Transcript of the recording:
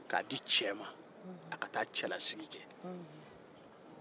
k'a di cɛ ma a ka taa cɛlasigi kɛ